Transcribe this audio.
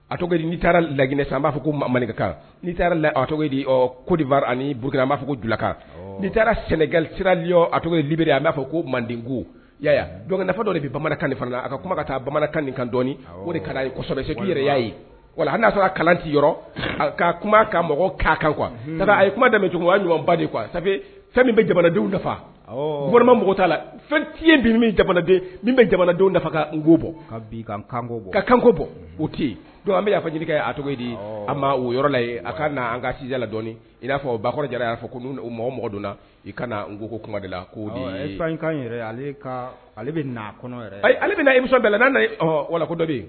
A'i taara laginɛ sa b'a fɔ ko mankakan n'i taara la ko aniuru n b'a fɔ ko dukan n'i taara sɛnɛgali sirali a b a b'a fɔ ko mande nafa dɔ de bɛ bamanankan nin fana a ka kuma ka taa bamanankan nin kan dɔnni osɔ ye wala hali'a sɔrɔ kalanti yɔrɔ ka kuma ka mɔgɔ kan kan kuwa a kuma dɛmɛ ɲɔgɔn de a fɛn min bɛ jamanadenw nafa walima mɔgɔ t'a la fɛn jamanaden min bɛ jamanadenw nafa ka koko bɔ kanko bɔ ka kanko bɔ o tɛ yen an bɛ'a ɲini kɛ a a ma o yɔrɔ la a ka an kaja ladɔn i'a fɔ bakɔrɔ jara y'a fɔ ko mɔgɔ donna i ka koko kuma ale bɛ ale bɛ imuso bɛɛla walakɔ dɔ